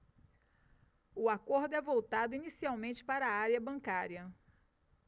o acordo é voltado inicialmente para a área bancária